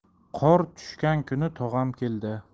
qor tushgan kuni tog'am keldi